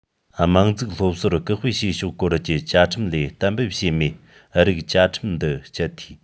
དམངས འཛུགས སློབ གསོར སྐུལ སྤེལ བྱེད ཕྱོགས སྐོར གྱི བཅའ ཁྲིམས ལས གཏན འབེབས བྱས མེད རིགས བཅའ ཁྲིམས འདི སྤྱད འཐུས